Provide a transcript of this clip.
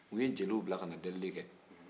u ye jeliw bila ka na deelili kɛ